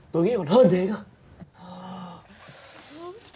tôi nghĩ là còn hơn thế cơ hơ ô